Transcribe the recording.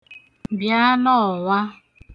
Bịa nọọnwa.